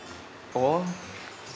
ủa